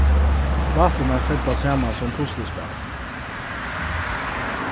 pláturnar fella saman sum puslispæl